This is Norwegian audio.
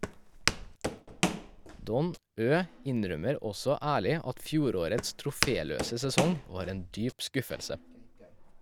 Don Ø innrømmer også ærlig at fjorårets troféløse sesong var en dyp skuffelse.